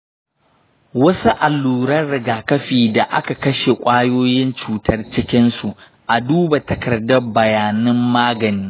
wasu alluran rigakafi da aka kashe ƙwayoyin cutar cikinsu. a duba takardar bayanin magani.